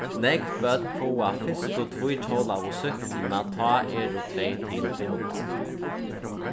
nógv børn fáa fyrstu tvíhjólaðu súkkluna tá eru tvey til fimm ár